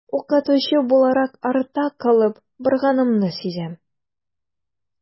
Укытучы буларак артта калып барганымны сизәм.